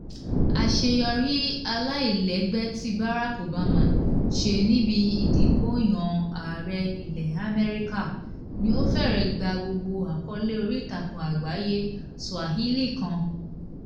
Àṣeyọrí aláìlẹ́gbẹ́ tí Barack Obama ṣe níbi ìdìbòyàn Ààrẹ ilẹ̀ Amẹ́ríkà ni ó fẹ́rẹ̀ gba gbogbo àkọọ́lẹ̀ oríìtakùn àgbáyé Swahili kan.